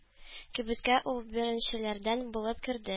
Кибеткә ул беренчеләрдән булып керде.